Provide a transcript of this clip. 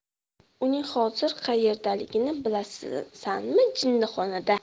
uning hozir qaerdaligini bilasanmi jinnixonada